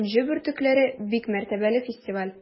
“энҗе бөртекләре” - бик мәртәбәле фестиваль.